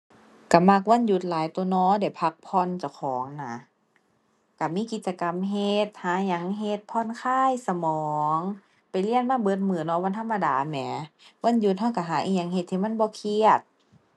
ก็มักวันหยุดหลายตั่วเนาะ ได้พักผ่อนเจ้าของน่ะ ก็มีกิจกรรมเฮ็ด หาหยังเฮ็ดผ่อนคลายสมอง ไปเรียนมาเบิดมื้อเนาะ วันธรรมดาแหม วันหยุดก็ก็หาอิหยังเฮ็ดที่มันบ่เครียด